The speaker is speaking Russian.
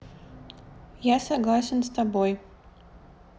я согласен с тобой